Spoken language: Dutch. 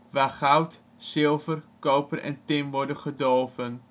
waar goud, zilver, koper en tin worden gedolven